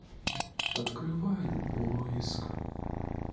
открываю поиск